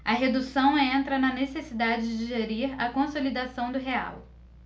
a redução entra na necessidade de gerir a consolidação do real